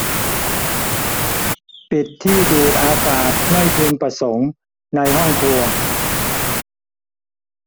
ปิดที่ดูดอากาศไม่พึงประสงค์ในห้องครัว